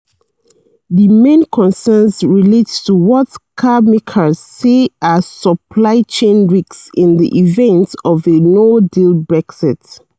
The main concerns relate to what carmakers say are supply chain risks in the event of a no-deal Brexit.